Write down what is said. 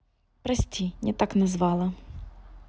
прости не так назвала